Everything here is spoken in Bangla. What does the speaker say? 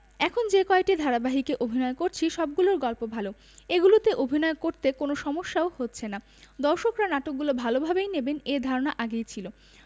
এখন যে কয়টি ধারাবাহিকে অভিনয় করছি সবগুলোর গল্প ভালো এগুলোতে অভিনয় করতে কোনো সমস্যাও হচ্ছে না দর্শকরা নাটকগুলো ভালোভাবেই নেবেন এ ধারণা আগেই ছিল